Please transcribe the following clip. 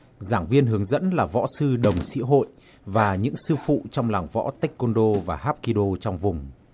giảng viên hướng dẫn là võ sư đồng xã hội và những sư phụ trong làng võ tây quân đô và háp ki đô trong vùng